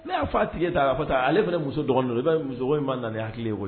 Ne y'a fa tigi ta ale bɛ muso don i bɛ muso in ma nana hakili